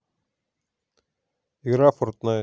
игра фортнайт